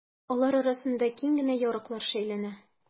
Алар арасында киң генә ярыклар шәйләнә.